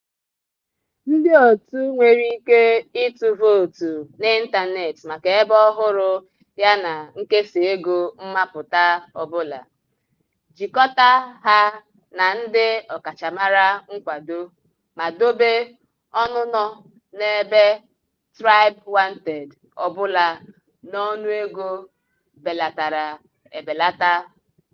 Ndịòtù nwere ike ịtụ vootu n'ịntanetị maka ebe ọhụrụ ya na nkesa ego mmapụta ọbụla, jikọta ha na ndị ọkachamara nkwado, ma dobe ọnụnọ n'ebe TribeWanted ọbụla n'ọnụego belatara ebelata.